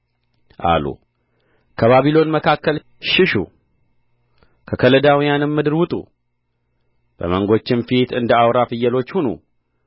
አሉ ከባቢሎን መካከል ሽሹ ከከለዳውያንም ድር ውጡ በመንጎችም ፊት እንደ አውራ ፍየሎች ሁኑ